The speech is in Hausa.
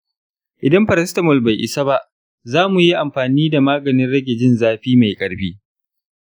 idan paracetamol bai isa ba, za mu yi amfani da maganin rage jin zafi mai ƙarfi.